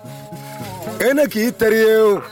E ne k ii teri ye